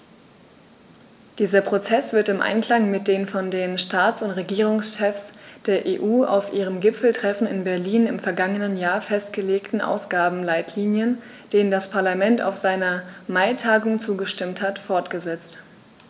Dieser Prozess wird im Einklang mit den von den Staats- und Regierungschefs der EU auf ihrem Gipfeltreffen in Berlin im vergangenen Jahr festgelegten Ausgabenleitlinien, denen das Parlament auf seiner Maitagung zugestimmt hat, fortgesetzt.